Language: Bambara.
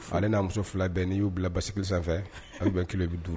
Ale n'a muso 2 bɛɛ n'i y'u bila basigili sanfɛ, a bɛ bɛn kilo 50 ma!